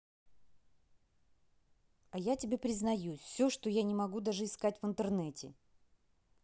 а я тебе признаюсь все что я не могу даже искать в интернете